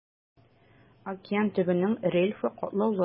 Океан төбенең рельефы катлаулы.